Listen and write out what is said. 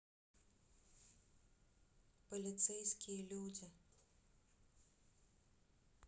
полицейские люди